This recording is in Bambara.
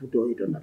U tɔ i yɔrɔ dɔn na